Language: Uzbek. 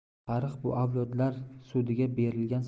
tarix bu avlodlar sudiga berilgan